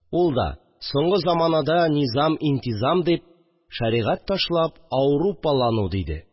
Ул да: «Соңгы заманада «низам-интизам» дип, шәригать ташлап, ауропалану», – диде